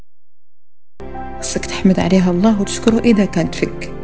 احمد عليها الله ونشكره اذا كانت فيك